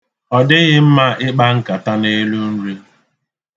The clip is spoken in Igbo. Ọ dịghị mma ikpa nkata n'elu nri.